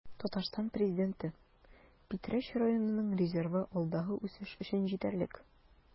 Татарстан Президенты: Питрәч районының резервы алдагы үсеш өчен җитәрлек